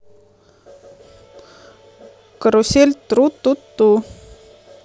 карусель тру ту ту ту